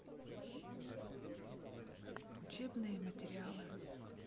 учебные материалы